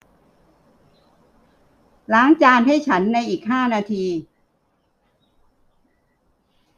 ล้างจานให้ฉันในอีกห้านาที